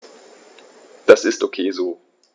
Das ist ok so.